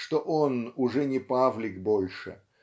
что он уже не Павлик больше